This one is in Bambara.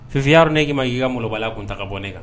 Fifi yarɔ ne ki ka molobaliya kun ta ka bɔ ne kan?